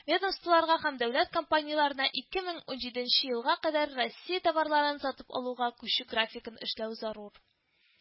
Ведомстволарга һәм дәүләт компанияләренә ике мен унжиденче елга кадәр россия товарларын сатып алуга күчү графигын эшләү зарур